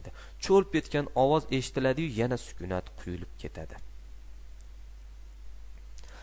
cho'lp etgan ovoz eshitiladiyu yana sukunat quyilib keladi